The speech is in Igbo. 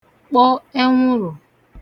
kpọ ẹnwụ̀rụ̀